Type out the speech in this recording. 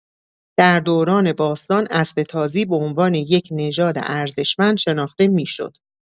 در دوران باستان، اسب تازی به عنوان یک نژاد ارزشمند شناخته می‌شد.